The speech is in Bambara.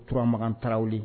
Turamagan tarawelerawwu